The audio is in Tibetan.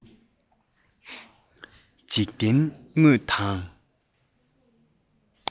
འཇིག རྟེན དངོས དང